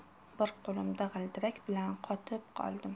bir qo'limda g'ildirak bilan qotib qoldim